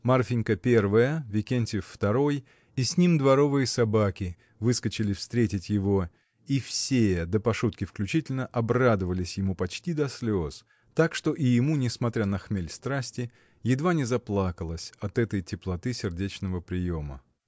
Марфинька первая, Викентьев второй, и с ними дворовые собаки, выскочили встретить его, и все, до Пашутки включительно, обрадовались ему почти до слез, так что и ему, несмотря на хмель страсти, едва не заплакалось от этой теплоты сердечного приема.